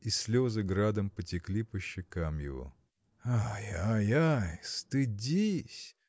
И слезы градом потекли по щекам его. – Ай, ай, ай! стыдись!